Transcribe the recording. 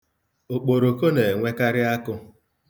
Okporoko na-enwekarị akụ.